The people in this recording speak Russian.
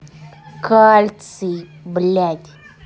кальций блядь